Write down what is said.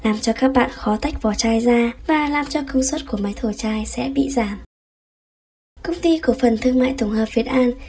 làm cho các bạn khó tách vỏ chai ra và làm cho công suất của máy thổi chai sẽ bị giảm công ty cổ phần thương mại tổng hợp việt an